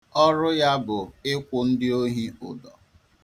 Ọrụ ya bụ ịkwụ ndị ̣ohi ụdọ.